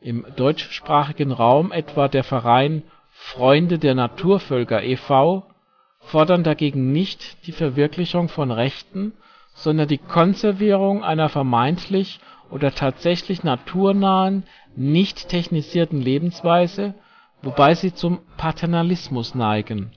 (im deutschsprachigen Raum etwa der Verein " Freunde der Naturvölker e.V. ") fordern dagegen nicht die Verwirklichung von Rechten sondern die Konservierung einer vermeintlich oder tatsächlich naturnahen, nicht-technisierten Lebensweise, wobei sie zum Paternalismus neigen